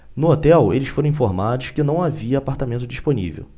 no hotel eles foram informados que não havia apartamento disponível